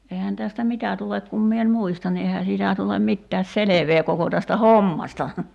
eihän tästä mitä tule kun minä en muista niin eihän siitä tule mitään selvää koko tästä hommasta